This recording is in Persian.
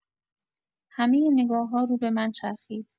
همۀ نگاه‌ها رو به من چرخید.